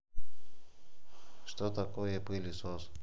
что такое пылесос